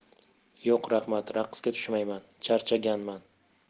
yo'q raxmat raqsga tushmayman charchaganman